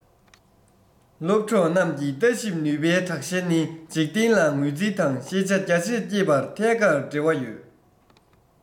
སློབ གྲོགས རྣམས ཀྱི ལྟ ཞིབ ནུས པའི དྲག ཞན ནི འཇིག རྟེན ལ ངོས འཛིན དང ཤེས བྱ རྒྱ ཆེར བསྐྱེད པར ཐད ཀར འབྲེལ བ ཡོད